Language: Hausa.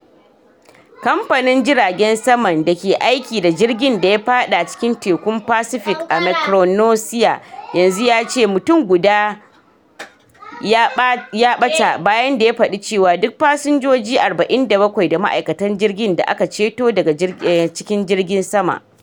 Kamfanin jiragen saman da ke aiki da jirgin da ya fada cikin tekun Pacific a Micronesia yanzu ya ce mutum guda ya bata, bayan da ya fadi cewa duk fasinjoji 47 da ma'aikatan jirgin da aka ceto daga cikin jirgin sama.